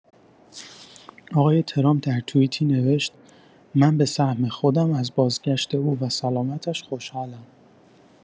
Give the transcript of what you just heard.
آقای ترامپ در توییتی نوشت: «من به سهم خودم از بازگشت او و سلامتش خوشحالم!»